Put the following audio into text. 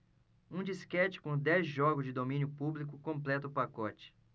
um disquete com dez jogos de domínio público completa o pacote